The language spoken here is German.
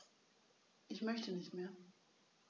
Ich möchte nicht mehr.